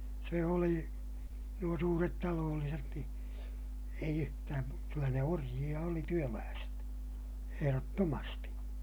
se oli nuo suuret talolliset niin ei yhtään - kyllä ne orjia oli työläiset ehdottomasti